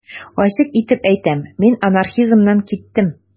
Ачык итеп әйтәм: мин анархизмнан киттем.